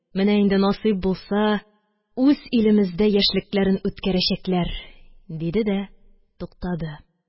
Менә инде, насыйп булса, үз илемездә яшьлекләрен үткәрәчәкләр, – диде дә туктады